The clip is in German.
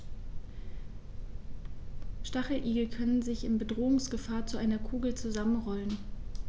Stacheligel können sich im Bedrohungsfall zu einer Kugel zusammenrollen.